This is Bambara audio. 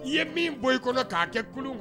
I ye min bɔ i kɔnɔ k'a kɛ kulu